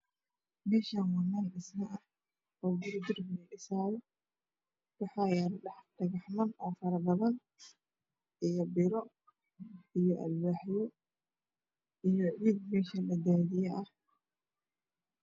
Meeshaan waa meel dhismo ah oo guri darbi la dhisaayo waxaa yaal dhagaxman oo faro badan iyo biro iyo alwaaxyo iyo ciid.